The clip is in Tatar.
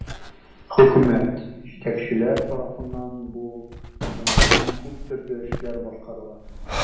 Хөкүмәт, җитәкчеләр тарафыннан бу уңайдан күп төрле эшләр башкарыла.